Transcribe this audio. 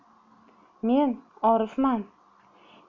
men orifman